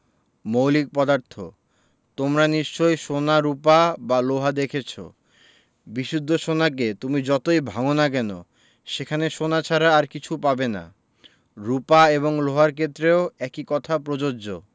মৌলিক পদার্থ তোমরা নিশ্চয় সোনা রুপা বা লোহা দেখেছ বিশুদ্ধ সোনাকে তুমি যতই ভাঙ না কেন সেখানে সোনা ছাড়া আর কিছু পাবে না রুপা এবং লোহার ক্ষেত্রেও একই কথা প্রযোজ্য